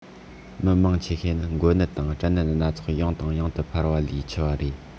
མི མང ཆེ ཤས ནི འགོ ནད དང སྐྲན ནད སྣ ཚོགས ཡང དང ཡང དུ འཕར བ ལས འཆི བ རེད